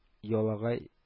Ялагай